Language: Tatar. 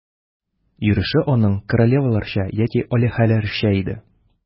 Йөреше аның королеваларча яки алиһәләрчә иде.